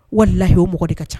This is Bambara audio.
Walilayih o mɔgɔ de ka ca